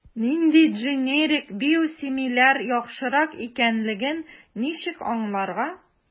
Нинди дженерик/биосимиляр яхшырак икәнлеген ничек аңларга?